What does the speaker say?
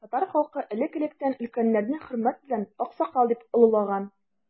Татар халкы элек-электән өлкәннәрне хөрмәт белән аксакал дип олылаган.